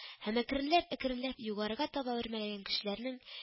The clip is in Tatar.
Һәм әкренләп-әкренләп югарыга таба үрмәләгән кешеләрнең